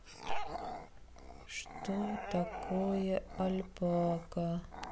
что такое альпака